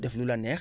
def lu la neex